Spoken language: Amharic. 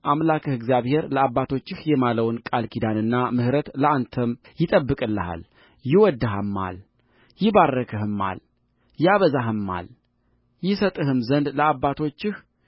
አምላክህ እግዚአብሔር ለአባቶችህ የማለውን ቃል ኪዳንና ምሕረት ለአንተ ይጠብቅልሃልይወድድህማል ይባርክህማል ያበዛህማል ይሰጥህም ዘንድ ለአባቶችህ